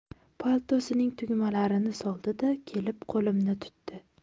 paltosining tugmalarini soldi da kelib qo'limni tutdi